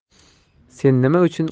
sen nima uchun